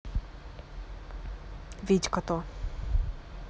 витька то